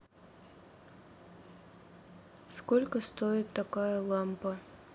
сколько стоит такая лампа